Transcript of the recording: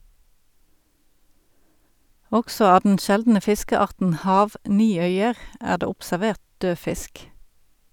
Også av den sjeldne fiskearten "hav-niøyer" er det observert død fisk.